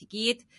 i gyd